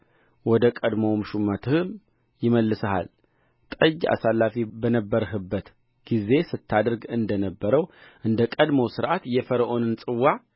ወደ ቀደመው ሹመትህም ይመልስሃል ጠጅ አሳላፊ በነበርህበት ጊዜ ስታደርግ እንደ ነበረው እንደ ቀድሞው ሥርዓትም የፈርዖንን ጽዋ